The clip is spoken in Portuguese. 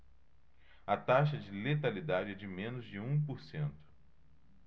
a taxa de letalidade é de menos de um por cento